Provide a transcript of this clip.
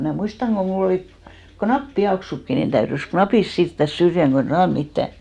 minä muistan kun minulla oli kun nappipieksutkin niin täytyi napit siirtää syrjään kun ei saanut mitään